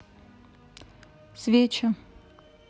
свечи